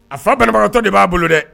A fa banabagatɔ de b'a bolo dɛ